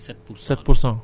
cent soixante mille